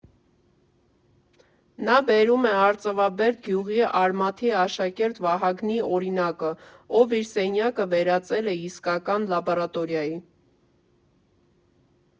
Նա բերում է Արծվաբերդ գյուղի «Արմաթի» աշակերտ Վահագնի օրինակը, ով իր սենյակը վերածել է իսկական լաբորատորիայի.